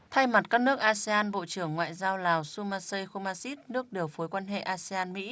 thay mặt các nước a si an bộ trưởng ngoại giao lào xu ma xê khu ma xít nước điều phối quan hệ a se an mỹ